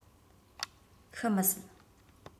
ཤི མི སྲིད